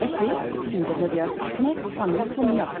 Felly dwi'n defnyddio techneg plannu plymio.